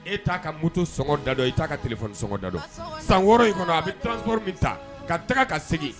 E t'a ka muto sɔgɔngɔ da dɔ e' ka kɛlɛ sgɔ da dɔ san wɔɔrɔ in kɔnɔ a bɛ min ta ka taga ka segin